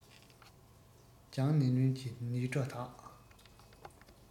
ལྗང ནེམ ནེམ གྱི ནེའུ སྐྲ དག